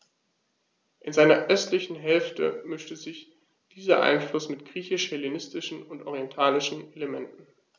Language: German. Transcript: In seiner östlichen Hälfte mischte sich dieser Einfluss mit griechisch-hellenistischen und orientalischen Elementen.